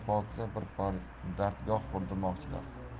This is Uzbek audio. pokiza bir dargoh qurdirmoqchilar